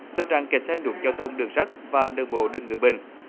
tình trạng kẹt xe nút giao thông đường sắt và đường bộ đường ngự bình